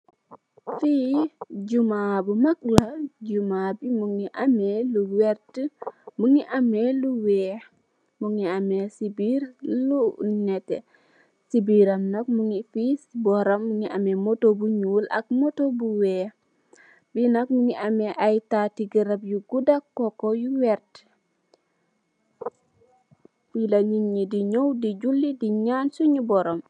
Fii jumaa bu mak la, jumaa bi mugii ameh lu werta, mugii ameh lu wèèx, mugii ameh ci biir lu netteh, ci bóram mugii ameh motto bu ñuul ak motto bu wèèx. Fii nak mugii ameh ay tati garap yu gudda, koko yu werta. Fii la nit ñi di ñaw di julli di ñan suñu borom.